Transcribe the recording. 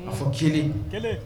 A fɔ kelen